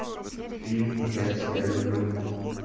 фильм я тебя люблю